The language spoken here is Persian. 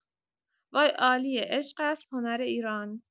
وای عالیه عشق است هنر ایران